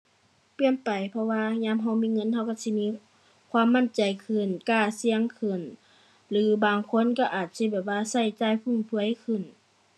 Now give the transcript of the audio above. เปลี่ยนไปเพราะว่ายามเรามีเงินเราเราสิมีความมั่นใจขึ้น กล้าเสี่ยงขึ้น หรือบางคนเราอาจสิแบบว่าเราจ่ายฟุ่มเฟือยขึ้น